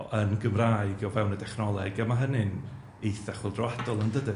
yn Gymraeg o fewn y dechnoleg, a ma' hynny'n eitha chwyldroadol, yndydi?